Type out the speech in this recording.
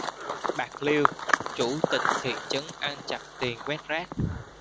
bạc liêu chủ tịch thị trấn ăn chặn tiền quét rác